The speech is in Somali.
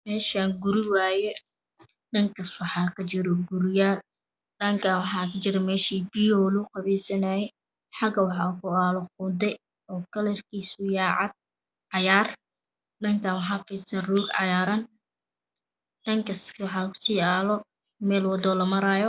Meeshaani waa guri waaye dhankaas waxaa kajiro guryo. dhankaan waxaa kajira meesha biyaha oo lugu qubeysanaayey waxaas waxaa ku aala qude oo kalarkiisu yahay cadaan . Cayaar dhankaan waxaa fidsan roog cagaaran, dhankaas waxaa kusii aalo meel wado oo lamaraayo